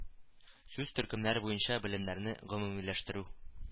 Сүз төркемнәре буенча белемнәрне гомумиләштерү